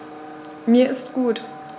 Mir ist gut.